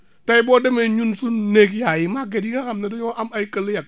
tey boo demee ñun suñu néeg yi ay màgget yi nga xam ne dañoo am ay këll yekk